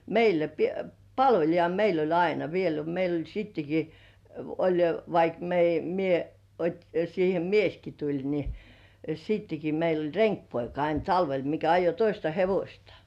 meillä - palvelija meillä oli aina vielä oli meillä oli sittenkin oli vaikka - minä otin siihen mieskin tuli niin sittenkin meillä oli renkipoika aina talvella mikä ajoi toista hevosta